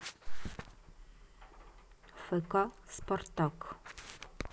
фк спартак